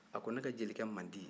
a ko ne ka jelikɛ mandi